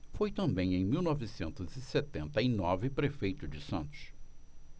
foi também em mil novecentos e setenta e nove prefeito de santos